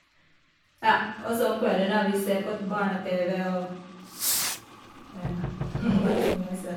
Ja, og så om kvelden, da, vi ser på et barne-TV og hva som jeg vil se.